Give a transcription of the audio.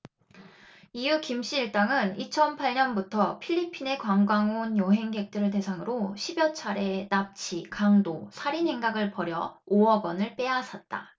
이후 김씨 일당은 이천 팔 년부터 필리핀에 관광온 여행객들을 대상으로 십 여 차례 납치 강도 살인 행각을 벌여 오 억원을 빼앗았다